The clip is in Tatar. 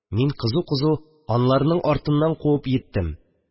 Мин кызу-кызу аларның артыннан куып йиттем